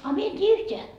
a minä en tiedä yhtään